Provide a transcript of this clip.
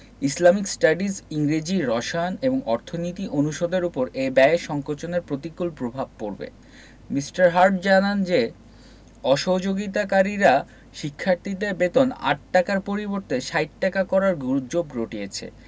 Islamic studies ইংরেজি রসায়ন এবং অর্থনীতি অনুষদের ওপর এ ব্যয় সংকোচনের প্রতিকূল প্রভাব পড়বে মি. হার্ট জানান যে অসহযোগিতাকারীরা শিক্ষার্থীদের বেতন ৮ টাকার পরিবর্তে ৬০ টাকা করার গুজব রটিয়েছে